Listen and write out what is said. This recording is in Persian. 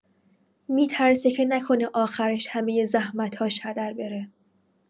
می‌ترسه که نکنه آخرش همه زحمتاش هدر بره.